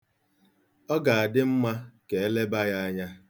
Ọ ga-adị mma ka e leba ya anya.